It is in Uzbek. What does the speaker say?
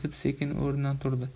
sekin o'rnidan turdi